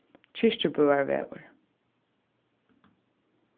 kirkjubøarvegur